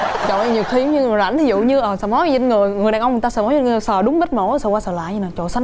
trời ơi nhiều khi giống như nào rảnh thí dụ như sờ mó vết người người đàn ông người ta sờ mó trên người sờ đúng vết mổ sờ qua sờ lại vậy nè trời sao nó